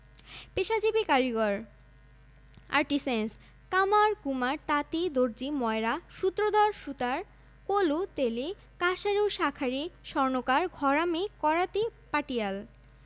০ দশমিক ২ শতাংশ করণিক ক্ল্যারিক্যাল ওয়ার্ক্স ৩ দশমিক ৪ শতাংশ বিপণন সেলস ওয়ার্ক্স ১৪দশমিক ৮ শতাংশ সেবামূলক কর্মকান্ড সার্ভিস ওয়ার্ক্স